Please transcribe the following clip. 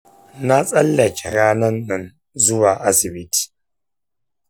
na tsallake ranan zuwa asibiti.